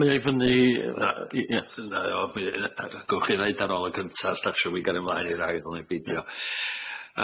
M- mae o i fyny i- ie. y- y- y- Gewch chi ddeud ar ôl y cynta os dachsio mi gario mlaen i'r ail ne' beidio.